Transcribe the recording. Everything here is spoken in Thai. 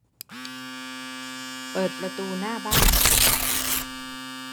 เปิดประตูหน้าบ้าน